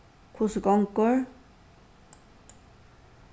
hvussu gongur